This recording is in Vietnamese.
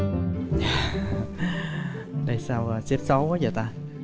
ha tại sao xếp xấu quá vậy ta